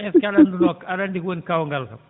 est ce que aɗa anndunoo aɗa anndi ko woni kaawngal kam